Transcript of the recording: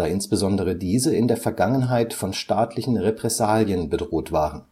insbesondere diese in der Vergangenheit von staatlichen Repressalien bedroht waren